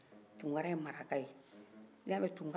tunkara ye maraka ye ni ya mɛ tunkara